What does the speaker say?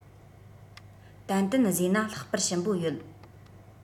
ཏན ཏན བཟས ན ལྷག པར ཞིམ པོ ཡོད